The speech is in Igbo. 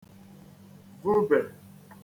vubè